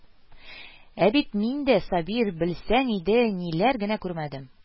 Ә бит мин дә, Сабир, белсәң иде, ниләр генә күрмәдем